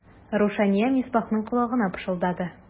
Рушания Мисбахның колагына пышылдады.